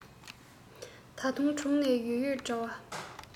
ད དུང དྲུང ན ཡོད ཡོད འདྲ བ